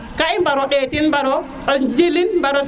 ka i mbara ndetin mbara o njilin